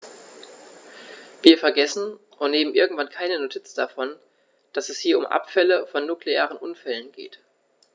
Wir vergessen, und nehmen irgendwie keine Notiz davon, dass es hier um Abfälle von nuklearen Unfällen geht.